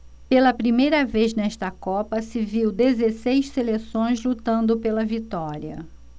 pela primeira vez nesta copa se viu dezesseis seleções lutando pela vitória